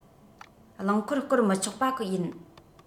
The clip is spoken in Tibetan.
རླངས འཁོར སྐོར མི ཆོག པ ཡིན